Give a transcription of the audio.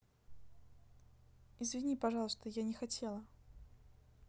извини пожалуйста я не хотела